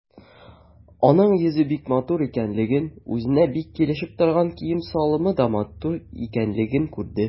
Аның йөзе бик матур икәнлеген, үзенә бик килешеп торган кием-салымы да матур икәнлеген күрде.